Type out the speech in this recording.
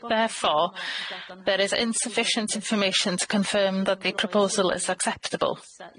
Therefore, there is insufficient information to confirm that the proposal is acceptable.